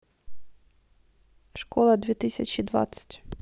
школа две тысячи двадцать